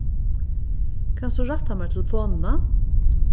kanst tú rætta mær telefonina